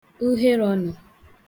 ugherē ọnụ